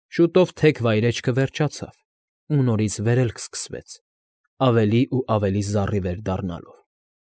Շուտով թեք վայրէջքը վերջացավ ու նորից վերելք սկսվեց, ավելի ու ավելի զառիվեր դառնալով։